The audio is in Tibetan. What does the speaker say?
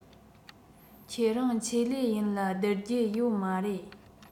ཁྱེད རང ཆེད ལས ཡིན ལ བསྡུར རྒྱུ ཡོད མ རེད